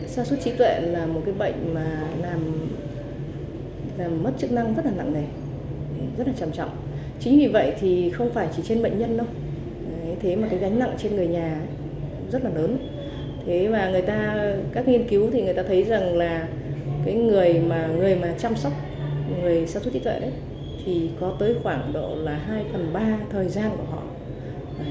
sa sút trí tuệ là một cái bệnh mà làm làm mất chức năng rất là nặng nề rất là trầm trọng chính vì vậy thì không phải chỉ trên bệnh nhân đâu ấy thế mà cái gánh nặng trên người nhà rất là lớn thế và người ta các nghiên cứu thì người ta thấy rằng là cái người mà người mà chăm sóc người sa sút trí tuệ đấy thì có tới khoảng độ là hai phần ba thời gian của họ